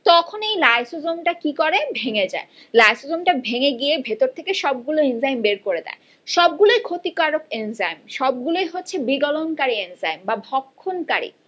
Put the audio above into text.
তখনই লাইসোজোম টা কি করে ভেঙে যায় লাইসোজোম টা ভেঙে গিয়ে ভেতর থেকে সবগুলো এনজাইম বের করে দেয় সবগুলো ক্ষতিকারক এনজাইম সব গুলোই হচ্ছে বিগলন কারি এনজাইম বা ভক্ষণকারী